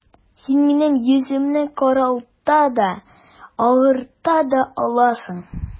Син минем йөземне каралта да, агарта да аласың...